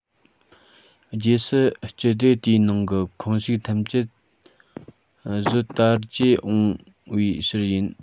རྗེས སུ སྤྱི སྡེ དེའི ནང གི ཁོངས ཞུགས ཐམས ཅད གཟོད དར རྒྱས འོངས པའི ཕྱིར ཡིན